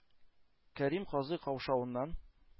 Кәрим казый каушавыннан